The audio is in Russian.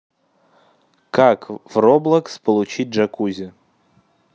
как в roblox получить джакузи